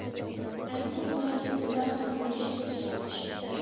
ayting mayli bular ham eshitishsin